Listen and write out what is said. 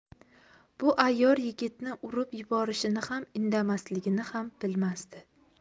bu ayyor yigitni urib yuborishini ham indamasligini ham bilmasdi